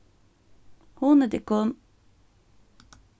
hugnið tykkum